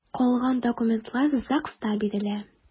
Калган документлар ЗАГСта бирелә.